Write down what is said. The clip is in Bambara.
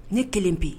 Ne kelen bɛ yen